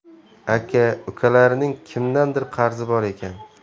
aka ukalarning kimdandir qarzi bor ekan